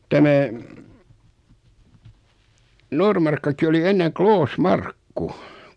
tämä Noormarkkukin oli ennen Kloosmarkku